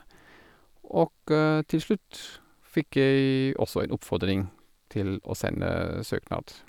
Og til slutt fikk jeg også en oppfordring til å sende søknad.